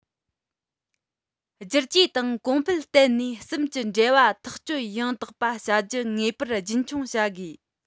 བསྒྱུར བཅོས དང གོང སྤེལ བརྟན གནས གསུམ གྱི འབྲེལ བ ཐག གཅོད ཡང དག པ བྱ རྒྱུ ངེས པར རྒྱུན འཁྱོངས བྱ དགོས